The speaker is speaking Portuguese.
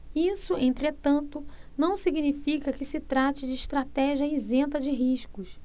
isso entretanto não significa que se trate de estratégia isenta de riscos